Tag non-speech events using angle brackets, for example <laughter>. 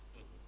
<hesitation> <hesitation>